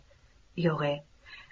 yo'g' e